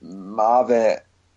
ma' fe